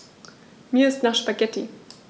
Mir ist nach Spaghetti.